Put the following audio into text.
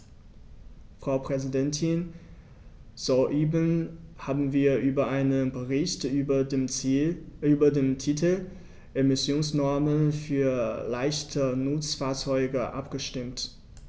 Frau Präsidentin, soeben haben wir über einen Bericht mit dem Titel "Emissionsnormen für leichte Nutzfahrzeuge" abgestimmt.